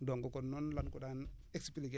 donc kon noonu la ñu ko daan expliquer